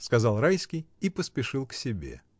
— сказал Райский и поспешил к себе.